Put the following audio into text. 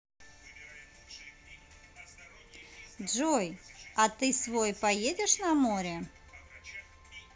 джой а ты свой поедешь на море